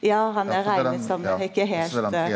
ja han er regnt som ikkje heilt .